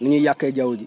ni ñuy yàqee jaww ji